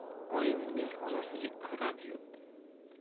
oyimning xonasiga qarab yurdi